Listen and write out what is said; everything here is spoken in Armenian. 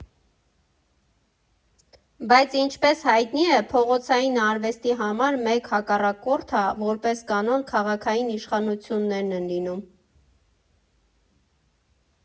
Բայց, ինչպես հայտնի է, փողոցային արվեստի համար մեկ հակառակորդը, որպես կանոն, քաղաքային իշխանություններն են լինում։